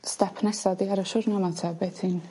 step nesa di ar y siwrna 'ma 'nte be' ti'n...